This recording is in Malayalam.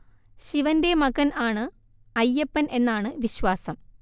ശിവന്റെ മകൻ ആണ് അയ്യപ്പൻ എന്നാണ് വിശ്വാസം